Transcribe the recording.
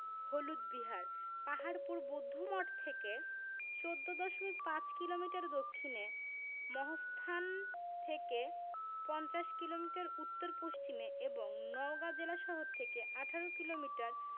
হলুদ বিহার পাহাড়পুর বৌদ্ধমঠ থেকে ১৪দশমিক ৫ কিলোমিটার দক্ষিণে মহাস্থান থেকে পঞ্চাশ কিলোমিটার উত্তর পশ্চিমে এবং নওগাঁ জেলাশহর থেকে ১৮ কিলোমিটার